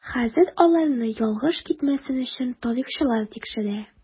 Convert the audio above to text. Хәзер аларны ялгыш китмәсен өчен тарихчылар тикшерә.